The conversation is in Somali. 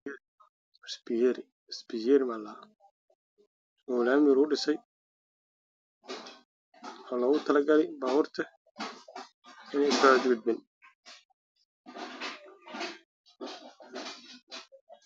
Waa laami midabkiisii yahay madow waana labo qaybood